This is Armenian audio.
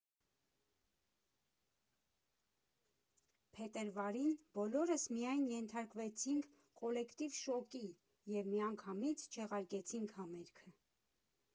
Փետրվարին բոլորս միայն ենթարկվեցինք կոլեկտիվ շոկի և միանգամից չեղարկեցինք համերգը։